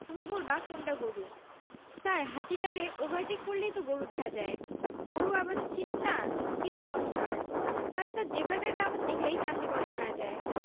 তুমি বলবা কোনডা গরু ছার হাতিডারে ওভারটেক করলেই তো গরু দেহা যায় গরু আবার চিনুম না কি যে কন ছার তয় ছার জেব্রাডারে আমার দেখলেই চান্দি গরম হয়া যায়